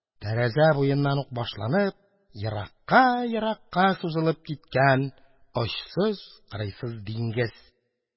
Тәрәзә буеннан ук башланып, еракка-еракка сузылып киткән очсыз-кырыйсыз диңгез.